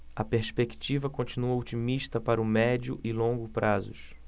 a perspectiva continua otimista para o médio e longo prazos